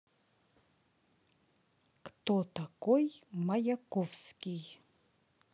кто такой маяковский